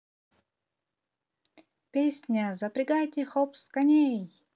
песня запрягайте хопс коней